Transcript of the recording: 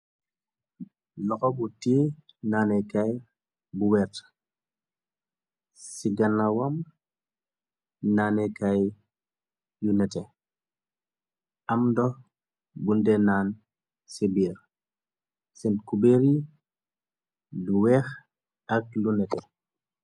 Loxo bu tie naanekaay bu wert ci gana wam naanekaay yu nete am ndox bundenaan ci biir seen ku beri lu weex ak lu nete.